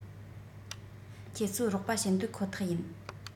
ཁྱེད ཚོ རོགས པ བྱེད འདོད ཁོ ཐག ཡིན